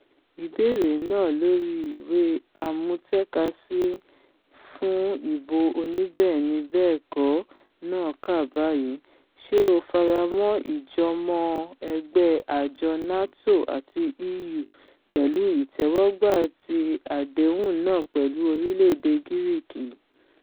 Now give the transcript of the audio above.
Ìbéèrè náà lóri ìwé àmútẹ̀kasí fún ìbò oníbẹ́ẹ̀ni-bẹ́ẹ̀kọ́ náà kà báyìí: ''Ṣé o faramọ́ ìjọ́mọ-ẹgbẹ́ àjọ NATO àti EU pẹ̀lú ìtẹ́wọ́gbà ti àdéhùn náà pẹ̀lú orílẹ̀-èdè Gíríkì.''.